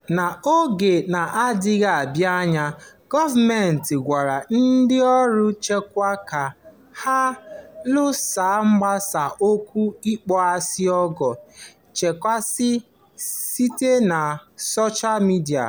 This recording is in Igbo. N'oge na-adịbeghị anya, gọọmentị gwara ndị ọrụ nchekwa ka ha "lụsa mgbasa okwu ịkpọasị ọgụ, ọkachasị site na soshaa midịa".